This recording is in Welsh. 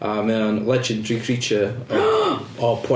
A mae o'n legendary creature o... ... Puerto.